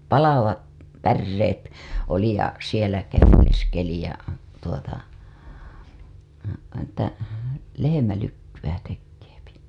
palavat päreet oli ja siellä käveleskeli ja tuota että lehmälykkyä tekee